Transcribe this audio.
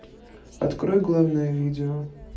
открой главное видео